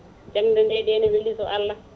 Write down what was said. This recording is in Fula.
jangde nde de ne weeli so Allah